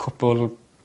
cwpwl